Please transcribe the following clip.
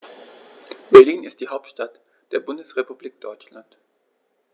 Berlin ist die Hauptstadt der Bundesrepublik Deutschland.